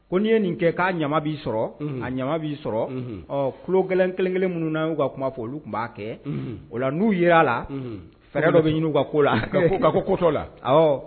Ko n'i ye nin kɛ k'a ɲamama b'i sɔrɔ a ɲama b'i sɔrɔ ɔ kelen- kelen minnu nau ka kuma fɔ olu tun b'a kɛ o la n'u jira' la fɛɛrɛ dɔ bɛ ɲini ka ko la ko kotɔ la